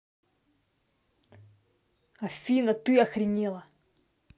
афина ты охренела